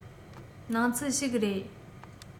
སྣང ཚུལ ཞིག རེད